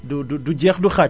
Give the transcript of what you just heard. du du du jeex du xaaj